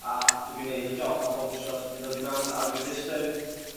a pryd dwi weud y job 'ma bob wsos dwi'n dod i mewn a dwi jyst yn